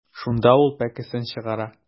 Шунда ул пәкесен чыгара.